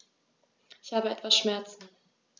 Ich habe etwas Schmerzen.